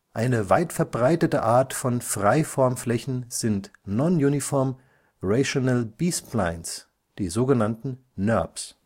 Eine weitverbreitete Art von Freiformflächen sind Non-Uniform Rational B-Splines (NURBS